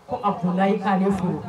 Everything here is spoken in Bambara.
A i k'ale furu